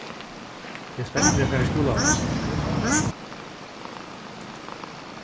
tað er spennandi at fara í skúlaveitslu